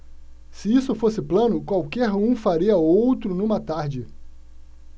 se isso fosse plano qualquer um faria outro numa tarde